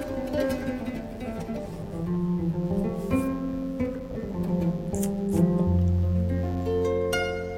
Sanunɛ yo